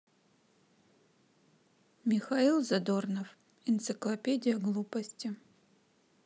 михаил задорнов энциклопедия глупости